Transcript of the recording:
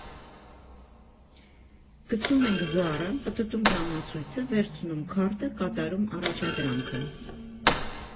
Գցում եք զառը, պտտում ժամացույցը, վերցնում քարտը, կատարում առաջադրանքը։